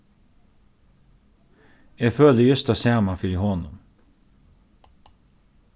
eg føli júst tað sama fyri honum